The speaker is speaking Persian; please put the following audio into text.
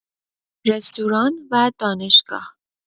رستوران و دانشگاه